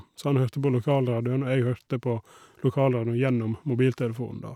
Så han hørte på lokalradioen, og jeg hørte på lokalradioen gjennom mobiltelefonen, da.